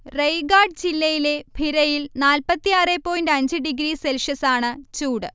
റയ്ഗാഡ് ജില്ലയിലെ ഭിരയിൽ നാല്പത്തി ആറ് പോയിന്റ് അഞ്ച് ഡിഗ്രി സെൽഷ്യസാണ് ചൂട്